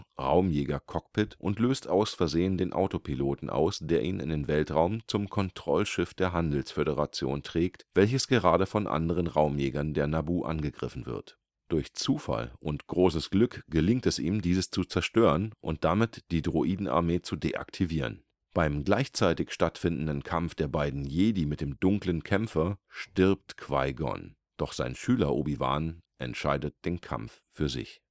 Raumjäger-Cockpit und löst aus versehen den Autopiloten aus, der ihn in den Weltraum zum Kontrollschiff der Handelsföderation trägt, welches gerade von anderen Raumjägern der Naboo angegriffen wird. Durch Zufall und großes Glück gelingt es ihm, dieses zu zerstören und damit die Droidenarmee zu deaktivieren. Beim gleichzeitig stattfindenden Kampf der beiden Jedi mit dem dunklen Kämpfer stirbt Qui-Gon, doch sein Schüler Obi-Wan entscheidet den Kampf für sich